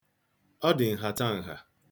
Ọ dị nhatanha.